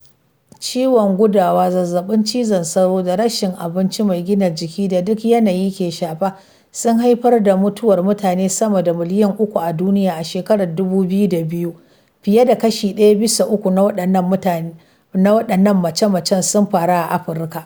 Ciwon gudawa, zazzabin cizon sauro, da rashin abinci mai gina jiki da duk yanayi ke shafa sun haifar da mutuwar mutane sama da miliyan 3 a duniya a shekarar 2002; fiye da kashi ɗaya bisa uku na waɗannan mace-macen sun faru a Afirka.